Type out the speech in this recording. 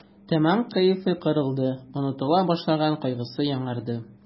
Тәмам кәефе кырылды, онытыла башлаган кайгысы яңарды.